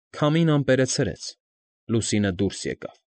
Քամին ամպերը ցրեց, լուսինը դուրս եկավ։